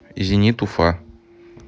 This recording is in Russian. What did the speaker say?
зенит уфа